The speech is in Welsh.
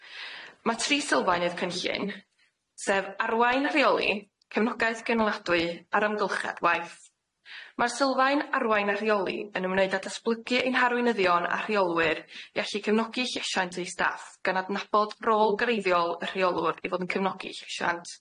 Ma' tri sylfaen i'r cynllun sef, arwain a rheoli, cefnogaeth gynaladawy a'r amgylchiadwaith. Mae'r sylfaen arwain a rheoli yn ymwneud â datblygu ein harweinyddion a rheolwyr i allu cefnogi llesiant e'u staff gan adnabod rôl greiddiol y rheolwr i fod yn cefnogi llesiant.